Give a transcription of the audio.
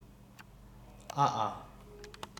ཨ ཨ